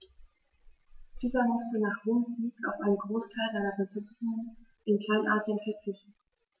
Dieser musste nach Roms Sieg auf einen Großteil seiner Besitzungen in Kleinasien verzichten.